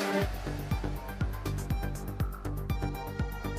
Sanunɛ